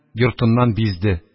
Йортыннан бизде